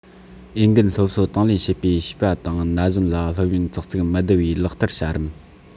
འོས འགན སློབ གསོ དང ལེན བྱེད པའི བྱིས པ དང ན གཞོན ལ སློབ ཡོན རྩག རྩིག མི བསྡུ བའི ལག བསྟར བྱ རིམ